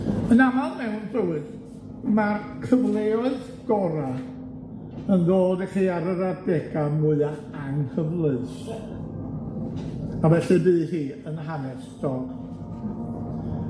Yn amal mewn bywyd, ma'r cyfleoedd gora' yn ddod i chi ar yr adega mwya anghyfleus a felly bu hi yn hanes Dodd.